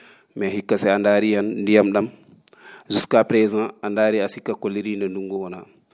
mais hikka si a ndaarii han ndiyam ?am jusqu' à présent a ndaarii a sikkat ko leriinde ndunngu wonaa